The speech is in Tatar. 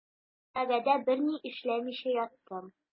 Мин күләгәдә берни эшләмичә яттым.